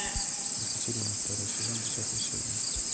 екатерина второй сезон десятая серия